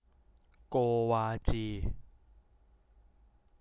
โกวาจี